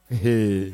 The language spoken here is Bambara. Ehe